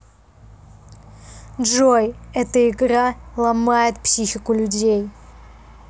джой это игра ломает психику людей